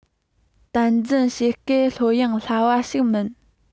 དམ འཛིན བྱེད སྐབས ལྷོད གཡེང སླ བ ཞིག མིན